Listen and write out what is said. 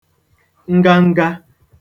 nganga